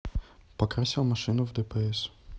покрасил машину в дпс